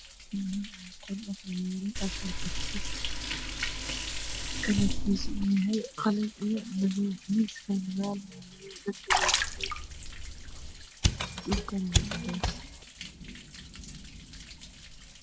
Meeshaani waa qol waxaa yaalo dhar kala kedisan kalarkiisu uu yahay qalin iyo madow miiska kadaal waa madow derbiga waa cadees dhulkana waa cadees